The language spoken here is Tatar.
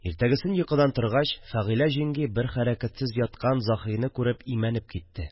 Иртәгесен йокыдан торгач, Фәгыйлә җиңги бер хәрәкәтсез яткан Заһрины күреп имәнеп китте: